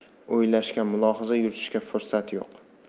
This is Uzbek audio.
o'ylashga mulohaza yuritishga fursat yo'q